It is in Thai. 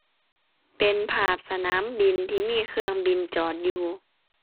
เป็นภาพสนามบินที่มีเครื่องบินจอดอยู่